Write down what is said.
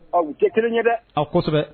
A u tɛ kelen ye dɛ a kosɛbɛ